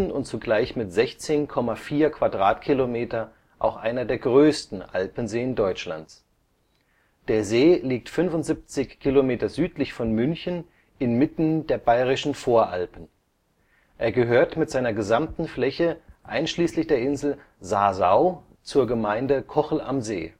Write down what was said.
und zugleich mit 16,40 km² auch einer der größten Alpenseen Deutschlands. Der See liegt 75 km südlich von München inmitten der Bayerischen Voralpen. Er gehört mit seiner gesamten Fläche einschließlich der Insel Sassau zur Gemeinde Kochel am See